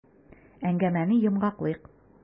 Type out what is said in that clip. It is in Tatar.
Әңгәмәне йомгаклыйк.